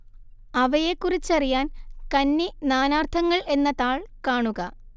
അവയെക്കുറിച്ചറിയാന്‍ കന്നി നാനാര്‍ത്ഥങ്ങള്‍ എന്ന താള്‍ കാണുക